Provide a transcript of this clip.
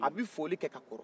a bɛ foli kɛ ka kɔrɔ